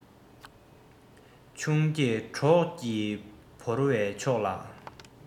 ཆུང སྐྱེས གྲོགས ཀྱིས བོར བའི ཕྱོགས ལ